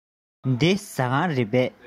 འདི ཟ ཁང རེད པས